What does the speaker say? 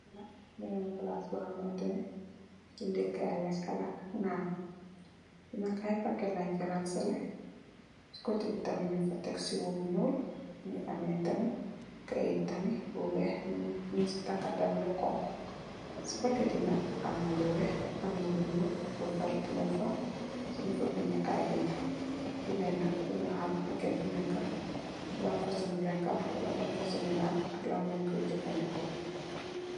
Linak bena plas la bunjoy jayeleke ak naan li nak aypaketla lenfi ransale njongfa take sawo bu njul ak kayet bu wex njongi ci taka lu xonxu paketbi nak aamna luwex amnalu xonxu am at binda tamit ndax nga xameko